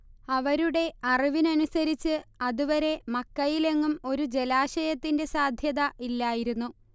അവരുടെ അറിവനുസരിച്ച് അത് വരെ മക്കയിലെങ്ങും ഒരു ജലാശയത്തിന്റെ സാധ്യത ഇല്ലായിരുന്നു